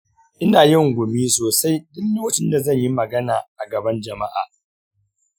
ina yin gumi sosai duk lokacin da zan yi magana a gaban jama'a.